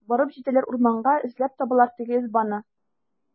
Барып җитәләр урманга, эзләп табалар теге ызбаны.